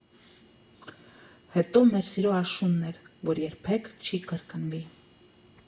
Հետո մեր սիրո աշունն էր, որ երբեք չի կրկնվի։